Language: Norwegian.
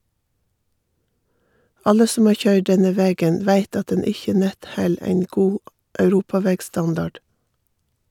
Alle som har køyrd denne vegen veit at den ikkje nett held ein god europavegstandard.